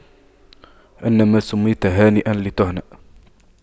إنما سُمِّيتَ هانئاً لتهنأ